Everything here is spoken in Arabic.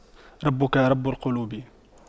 ربك رب قلوب